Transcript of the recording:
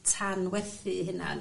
tanwerthu 'i hunan.